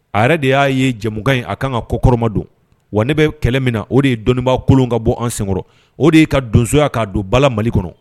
A yɛrɛ de y'a ye jɛmukan in a kan ka kɔkɔrɔmadon wa ne bɛ kɛlɛ min na o de ye dɔnnibaa kolonw ka bɔ an senkɔrɔ o de ye ka donsoya k'a don ba la Mali kɔnɔ